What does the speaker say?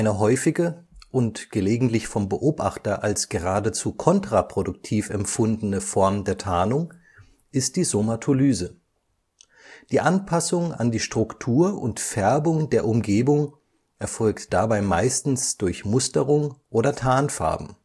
häufige – und gelegentlich vom Beobachter als geradezu kontraproduktiv empfundene – Form der Tarnung ist die Somatolyse. Die Anpassung an die Struktur und Färbung der Umgebung erfolgt dabei meistens durch Musterung oder Tarnfarben